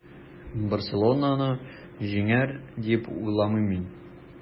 “барселона”ны җиңәр, дип уйламыйм мин.